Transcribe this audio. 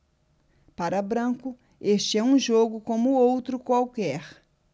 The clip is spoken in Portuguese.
para branco este é um jogo como outro qualquer